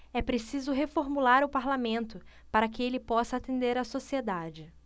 é preciso reformular o parlamento para que ele possa atender a sociedade